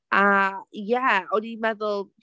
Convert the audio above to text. A ie, o'n ni'n meddwl...